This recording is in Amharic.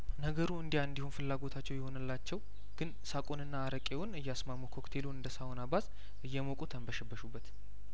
ነገሩ እንዲያእንዲሆን ፍላጐታቸው የሆነላቸው ግን ሳቁንና አረቄውን እያስማሙ ኮክቴሉን እንደሳ ውና ባዝ እየሞቁ ተንበሸበሹበት